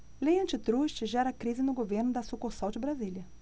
lei antitruste gera crise no governo da sucursal de brasília